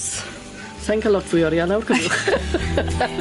Sai'n ca'l lot fwy o arian nawr cofiwch.